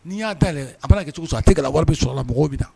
N'i y'a da a bɛna kɛ cogo sɔrɔ a tɛ wari bɛ sɔrɔ la mɔgɔw bɛ da